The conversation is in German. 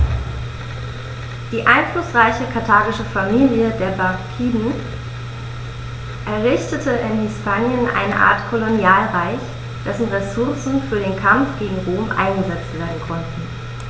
Die einflussreiche karthagische Familie der Barkiden errichtete in Hispanien eine Art Kolonialreich, dessen Ressourcen für den Kampf gegen Rom eingesetzt werden konnten.